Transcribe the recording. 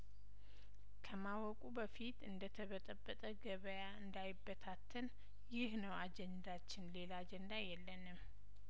ከማወቁ በፊት እንደተበጠበጠ ገበያ እንዳይበታተን ይህ ነው አጀንዳችን ሌላ አጀንዳ የለንም